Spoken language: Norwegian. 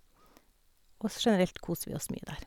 Også generelt koser vi oss mye der.